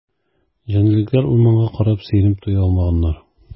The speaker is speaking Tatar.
Җәнлекләр урманга карап сөенеп туя алмаганнар.